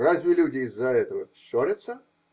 Разве люди из-за этого ссорятся?